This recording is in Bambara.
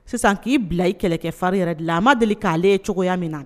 Sisan k'i bila i kɛlɛ kɛ fari yɛrɛ de la a ma deli k'ale ye cogoya min na